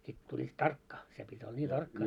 sitten tulivat tarkkaan se piti olla niin tarkkaa